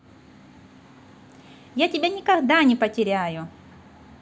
я тебя никогда не потеряю